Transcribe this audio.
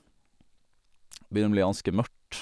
Begynner å bli ganske mørkt.